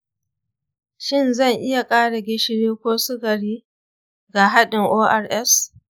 shin zan iya ƙara gishiri ko sukari ga haɗin ors?